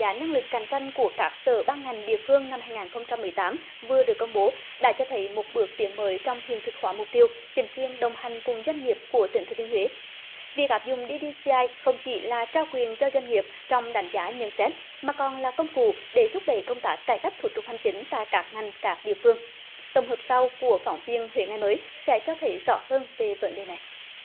giá năng lực cạnh tranh của các sở ban ngành địa phương năm hai nghìn không trăm mười tám vừa được công bố đã cho thấy một bước tiến mới trong hiện thực hóa mục tiêu chính quyền đồng hành cùng doanh nghiệp của tỉnh thừa thiên huế việc áp dụng đi đi ci ai không chỉ là trao quyền cho doanh nghiệp trong đánh giá nhận xét mà còn là công cụ để thúc đẩy công tác cải cách thủ tục hành chính tại các ngành các địa phương tổng hợp sau của phóng viên huế ngày mới sẽ cho thấy rõ hơn về vấn đề này